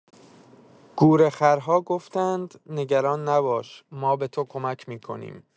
گورخرها گفتند: نگران نباش، ما به تو کمک می‌کنیم.